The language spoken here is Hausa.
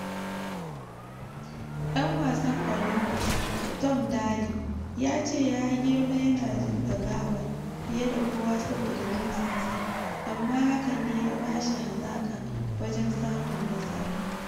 Ɗan wasan Olympics Tom Daley ya ce ya girma yana jin dagawa fiye da kowa saboda jinsin sa - amma hakan ne ya bashi hazaka wajen samun nasara.